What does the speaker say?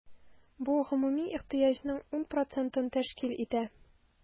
Бу гомуми ихтыяҗның 10 процентын тәшкил итә.